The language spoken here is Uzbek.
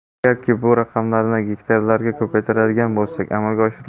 agarki bu raqamlarni gektarlarga ko'paytiradigan bo'lsak amalga